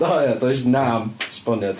O ia! Does 'nam esboniad.